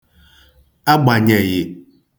agbànyèghì